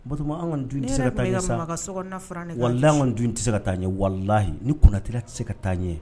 O tuma se ka wali an dun tɛ se ka taa ɲɛ walihi ni kunnatɛ tɛ se ka taa n ɲɛ